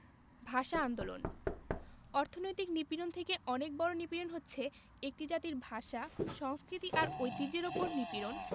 ভাষা আন্দোলন অর্থনৈতিক নিপীড়ন থেকে অনেক বড়ো নিপীড়ন হচ্ছে একটি জাতির ভাষা সংস্কৃতি আর ঐতিহ্যের ওপর নিপীড়ন